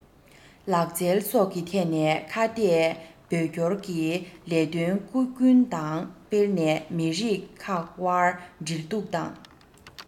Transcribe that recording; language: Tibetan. ལག རྩལ སོགས ཀྱི ཐད ནས ཁ གཏད བོད སྐྱོར གྱི ལས དོན སྒོ ཀུན ནས སྤེལ ནས མི རིགས ཁག དབར འབྲེལ གཏུག དང